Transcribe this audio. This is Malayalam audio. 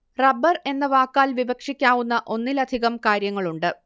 റബ്ബർ എന്ന വാക്കാൽ വിവക്ഷിക്കാവുന്ന ഒന്നിലധികം കാര്യങ്ങളുണ്ട്